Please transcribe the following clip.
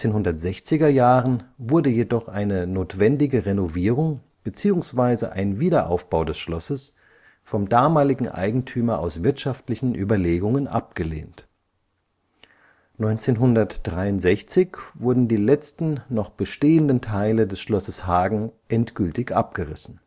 1960er Jahren wurde jedoch eine notwendige Renovierung beziehungsweise ein Wiederaufbau des Schlosses vom damaligen Eigentümer aus wirtschaftlichen Überlegungen abgelehnt. 1963 wurden die letzten noch bestehenden Teile des Schlosses Hagen endgültig abgerissen